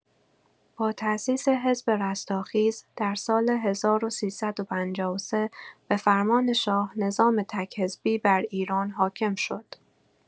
با تأسیس حزب رستاخیز در سال ۱۳۵۳ به‌فرمان شاه، نظام تک‌حزبی بر ایران حاکم شد.